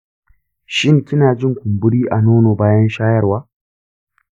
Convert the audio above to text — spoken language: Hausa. shin kina jin kumburi a nono bayan shayarwa?